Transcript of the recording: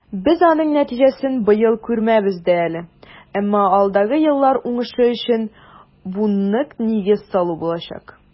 Без аның нәтиҗәсен быел күрмәбез дә әле, әмма алдагы еллар уңышы өчен бу ныклы нигез салу булачак.